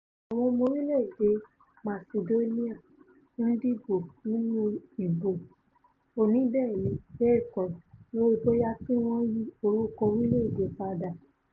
Àwọn ọmọ orílẹ̀-èdè Macedonia ń dìbò nínú ìbò oníbẹ́ẹ̀ni-bẹ́ẹ̀kọ́ lórí bóyá kí wọn yí orúkọ orilẹ̵-ede padà